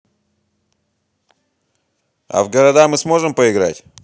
а в города мы сможем поиграть